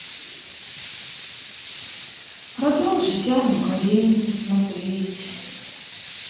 продолжить анну каренину смотреть